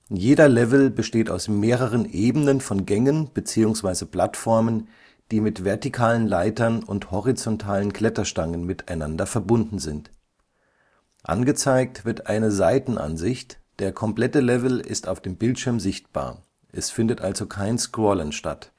Jeder Level besteht aus mehreren Ebenen von Gängen bzw. Plattformen, die mit vertikalen Leitern und horizontalen Kletterstangen miteinander verbunden sind. Angezeigt wird eine Seitenansicht, der komplette Level ist auf dem Bildschirm sichtbar, es findet also kein Scrollen statt